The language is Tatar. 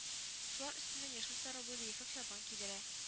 Шулар өстеннән яшел-сары буйлы ефәк чапан кидерә